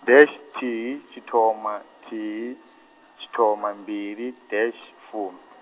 dash nthihi tshithoma nthihi, tshithoma mbili, dash fumi .